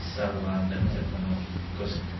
Dal lan efo tipyn o cwsg.